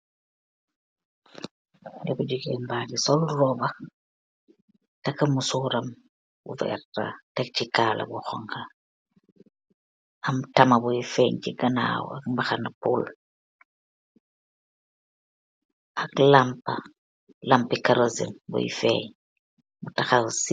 Xale bu jugeen mbaagi solu roobax taka mu suuram bu veetax tek ci kaala bu xonxa am tama buy feen ci ganaaw ak mbaxana pol ak lampa lampicarosin buy feen mu taxawsi.